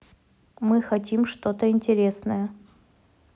мы хотим что то интересное